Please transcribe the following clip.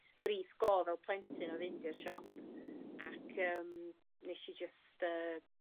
frith go' fel plentyn o fynd i'r siop ac yym nes i jyst yy